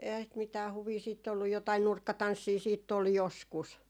eihän sitä mitään huvia sitten ollut jotakin nurkkatanssia sitten oli joskus